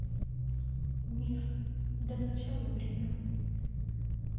мир до начала времен